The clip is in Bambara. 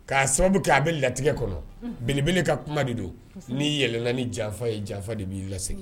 K'a sababu kɛ a bɛ latigɛ kɔnɔ belebele ka kuma de don n'i yɛlɛna ni janfa ye janfa de b'i lase